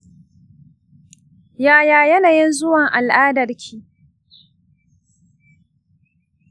yaya yanayin zuwan al'adarki?